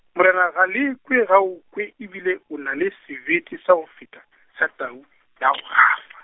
morena Galekwe ga o kwe e bile o na le sebete sa go feta, sa tau, ya go gafa.